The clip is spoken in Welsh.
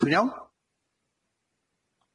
Dwi'n iawn?